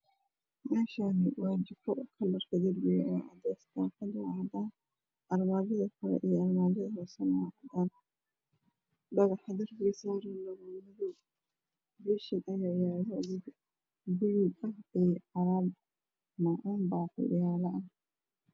Meeshaani waa jiko kalarkeedu cadaan daaqada cadaan armaajo shagaaxa kalarkisa maacuun baaquli